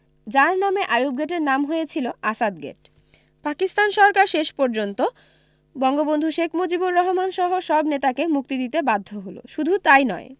যার নামে আইযুব গেটের নাম হয়েছিল আসাদ গেট পাকিস্তান সরকার শেষ পর্যন্ত বঙ্গবন্ধু শেখ মুজিবর রহমান সহ সব নেতাকে মুক্তি দিতে বাধ্য হলো শুধু তাই নয়